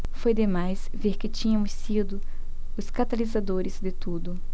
foi demais ver que tínhamos sido os catalisadores de tudo